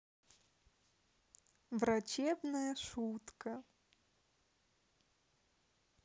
врачебная шутка